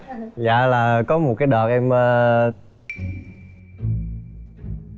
dạ là có một cái đợt em ơ em